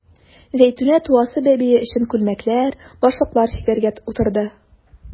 Зәйтүнә туасы бәбие өчен күлмәкләр, башлыклар чигәргә утырды.